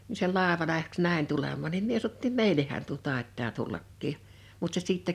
niin se laiva lähti näin tulemaan niin minä sanottiin meillehän tuo taitaa tullakin mutta se sitten